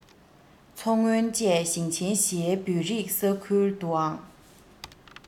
མཚོ སྔོན བཅས ཞིང ཆེན བཞིའི བོད རིགས ས ཁུལ དུའང